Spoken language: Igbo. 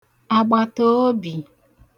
àgbàtàobì